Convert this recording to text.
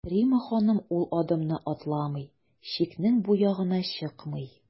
Римма ханым ул адымны атламый, чикнең бу ягына чыкмый.